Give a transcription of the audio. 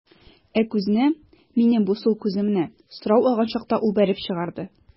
Ә күзне, минем бу сул күземне, сорау алган чакта ул бәреп чыгарды.